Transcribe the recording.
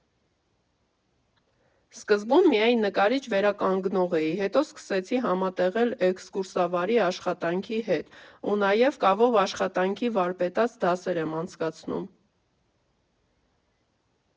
Սկզբում միայն նկարիչ֊վերականգնող էի, հետո սկսեցի համատեղել էքսկուրսավարի աշխատանքի հետ ու նաև կավով աշխատանքի վարպետաց դասեր եմ անցկացնում։